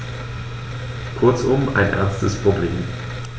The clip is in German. Kurzum, ein ernstes Problem.